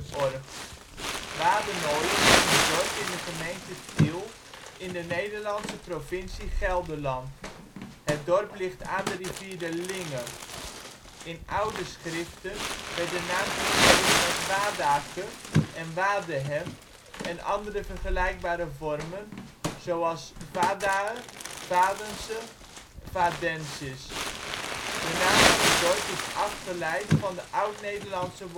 OL Beluister (info) Wadenoijen is een dorp in de gemeente Tiel, in de Nederlandse provincie Gelderland. Het dorp ligt aan de rivier de Linge. In oude schriften werd de naam geschreven als Wadake en Wadehem en andere vergelijkbare vormen, zoals Vadae, Vadense, Vadensis. De naam van het dorp is afgeleid van de oud-Nederlandse